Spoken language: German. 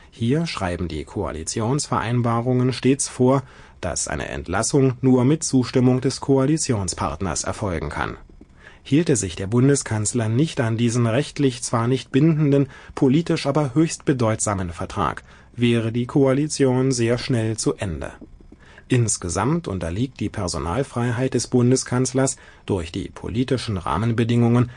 Hier schreiben die Koalitionsvereinbarungen stets vor, dass eine Entlassung nur mit Zustimmung des Koalitionspartners erfolgen kann. Hielte sich der Bundeskanzler nicht an diesen rechtlich zwar nicht bindenden, politisch aber höchst bedeutsamen Vertrag, wäre die Koalition sehr schnell zu Ende. Insgesamt unterliegt die Personalfreiheit des Bundeskanzlers durch die politischen Rahmenbedingungen